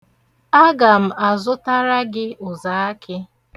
Aga m azụtara gị ụzaakị.